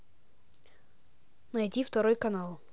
найди второй канал